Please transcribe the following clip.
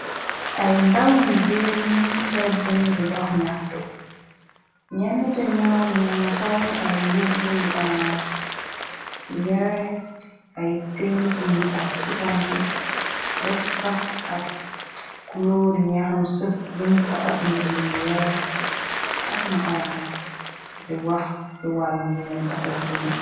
ay ndaw yu genn ci bedd mi di dox ñaxtu ñenn ca ñoom ni nga sol ay mbubb yu orange yare ay këyit yuñu ak cibant defa ab kulooru ñeexam sep bind fa ab mbir dimu weex ak ma orange di wax bi wàllu mulen taxa ginn